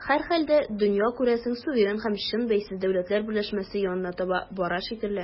Һәрхәлдә, дөнья, күрәсең, суверен һәм чын бәйсез дәүләтләр берләшмәсенә янына таба бара шикелле.